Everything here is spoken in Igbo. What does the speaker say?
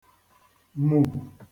-mù